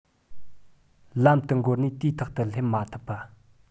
ལམ དུ འགོར ནས དུས ཐོག ཏུ སླེབས མ ཐུབ པ